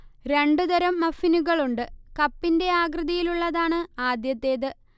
രണ്ടു തരം മഫ്ഫിനുകളുണ്ട്, കപ്പിന്റെ ആകൃതിയിലുള്ളതാണ് ആദ്യത്തേത്